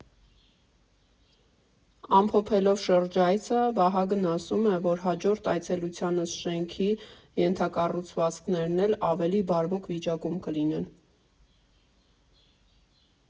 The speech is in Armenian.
Ամփոփելով շրջայցը՝ Վահագնը ասում է, որ հաջորդ այցելությանս շենքի ենթակառուցվածքներն էլ ավելի բարվոք վիճակում կլինեն։